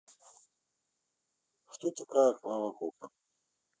кто такая клава кока